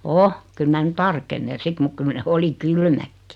on kyllä minä nyt tarkenen sitten mutta kyllä ne oli kylmätkin